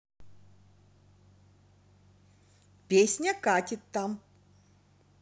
песня катит там